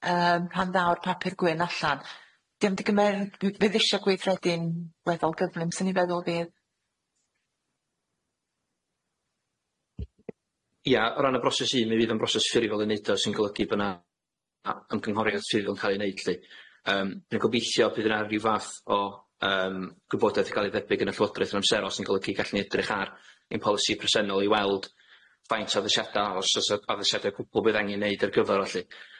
yym pan ddaw'r papur gwyn allan 'di o mynd i gymer- bydd isho gweithredu'n weddol gyflym 'swn i'n feddwl fydd? Ia o ran y broses 'i hun mi fydd o'n broses ffurifol i neud o sy'n golygu bo 'na ymgynghoriad ffurifol yn ca'l 'i neud lly yym dwi'n gobeithio bydd 'na ryw fath o yym gwybodaeth 'di ga'l 'i dderbyn gyn y llywodraeth yn amserol sy'n golygu gallwn ni edrych ar ein polisi presennol i weld faint o addasiada os o's 'a addashiada o gwbwl bydd angen neud ar gyfar o lly.